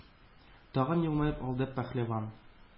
Тагын елмаеп алды пәһлеван